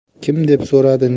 kim deb so'radi